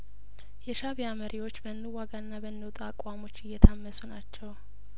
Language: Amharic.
የሻእቢያ መሪዎች በእንዋጋና በእንውጣ አቋሞች እየታመሱ ናቸው